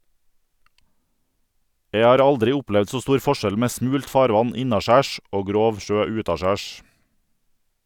Jeg har aldri opplevd så stor forskjell med smult farvann innaskjærs og grov sjø utaskjærs.